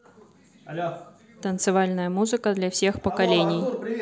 танцевальная музыка для всех поколений